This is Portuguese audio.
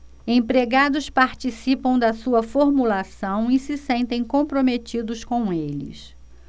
empregados participam da sua formulação e se sentem comprometidos com eles